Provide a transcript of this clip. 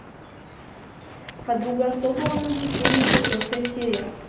подруга особого назначения четвертая серия